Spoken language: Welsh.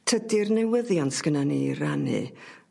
Tydi'r newyddion sgynnon ni i rannu